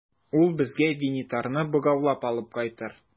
Ул безгә Винитарны богаулап алып кайтыр.